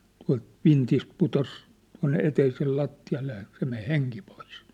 tuolta vintistä putosi tuonne eteisen lattialle ja se meni henki pois